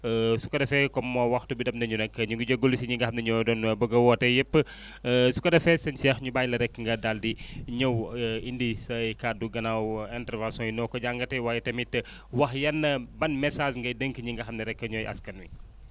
su ko defee comme waxtu bi dab nañu nag ñu ngi jégalu si ñi nga xam ne ñoo doon bëgg a woote yëpp su ko defee sëñ Cheikh ñu bàyyi la rek nga daal di ñëw indi say kàddu gannaaw interventions yi noo ko jàngatee waaye tamit wax yan ban message ngay dénk ñi nga xam ne rek ñooy askan wi